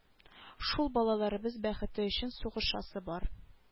Шул балаларыбыз бәхете өчен сугышасы бар